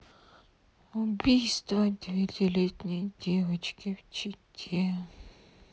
убийство девятилетней девочки в чите